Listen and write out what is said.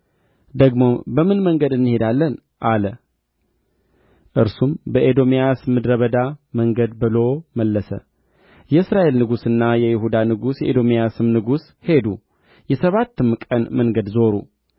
ወደ ይሁዳም ንጉሥ ወደ ኢዮሣፍጥ የሞዓብ ንጉሥ ዐምፆብኛልና ከእኔ ጋር በሞዓብ ላይ ለሰልፍ ትሄዳለህን ብሎ ላከ እርሱም እወጣለሁ እኔ እንደ አንተ ሕዝቤም እንደ ሕዝብህ ፈረሶቼም እንደ ፈረሶችህ ናቸው አለ